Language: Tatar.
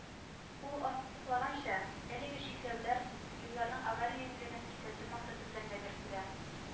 Ул ассызыклаганча, әлеге чикләүләр юлларның авариялелеген кисәтү максаты белән дә кертелә